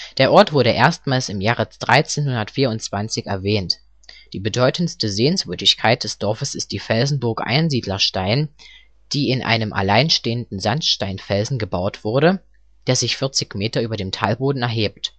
Der Ort wurde erstmals im Jahre 1324 erwähnt. Die bedeutendste Sehenswürdigkeit des Dorfes ist die Felsenburg Einsiedlerstein, die in einen alleinstehenden Sandsteinfelsen gebaut wurde, der sich 40 Meter über dem Talboden erhebt